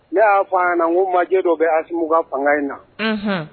Ne y'a fɔ a na ko majɛ dɔ bɛ asmu ka fanga in na